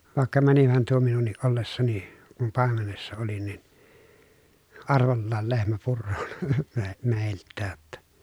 vaikka menihän tuo minunkin ollessani kun paimenessa olin niin arvollaan lehmä puroon - meiltäkin jotta